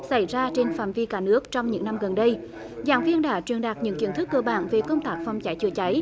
xảy ra trên phạm vi cả nước trong những năm gần đây giảng viên đã truyền đạt những kiến thức cơ bản về công tác phòng cháy chữa cháy